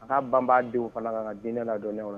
A ka banba denw fana kan ka dinɛ la dɔn